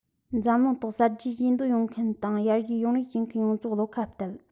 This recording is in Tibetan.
འཛམ གླིང ཐོག གསར བརྗེ བྱེད འདོད ཡོད མཁན དང ཡར རྒྱས ཡོང རེ བྱེད མཁན ཡོངས རྫོགས བློ ཁ གཏད